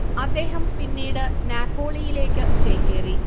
അദ്ദേഹം പിന്നീട് നാപ്പോളിയിലേക്ക് ചേക്കേറി